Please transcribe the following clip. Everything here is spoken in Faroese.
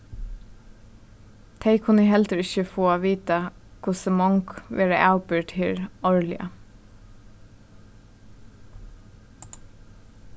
tey kunnu heldur ikki fáa at vita hvussu mong verða avbyrgd her árliga